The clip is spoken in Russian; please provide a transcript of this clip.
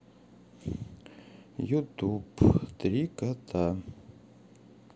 ютуб три кота